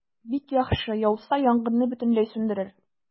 Бик яхшы, яуса, янгынны бөтенләй сүндерер.